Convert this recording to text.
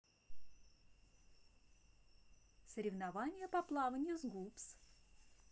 соревнования по плаванию сгупс